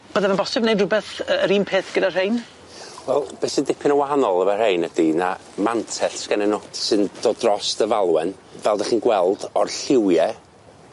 Bydde fe'n bosib neud rwbeth yy yr un peth gyda rhein? Wel be' sy'n dipyn yn wahanol efo rhein ydi na mantell gennyn nw sy'n dod drost y falwen fel 'dych chi'n gweld o'r lliwie.